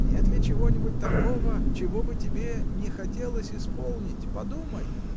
— Нет ли чего-нибудь такого, чего бы тебе не хотелось исполнить, — подумай!